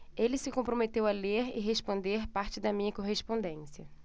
ele se comprometeu a ler e responder parte da minha correspondência